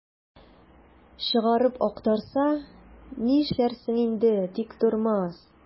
Чыгарып актарса, нишләрсең инде, Тиктормас?